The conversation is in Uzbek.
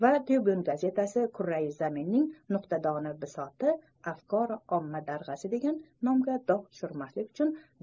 va tribyun gazetasi kurrai zaminning nuktadoni bisoti afkori omma darg'asi degan nomga dog' tushurmaslik uchun